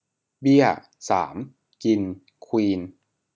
เบี้ยสามกินควีน